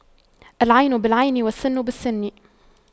العين بالعين والسن بالسن